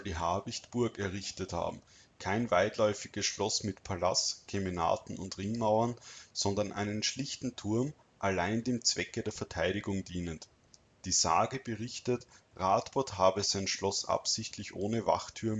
Habichtburg errichtet haben, kein weitläufiges Schloss mit Palas, Kemenaten und Ringmauern, sondern einen schlichten Turm, allein dem Zwecke der Verteidigung dienend. Die Sage berichtet, Radbot habe sein Schloss absichtlich ohne Wachtürme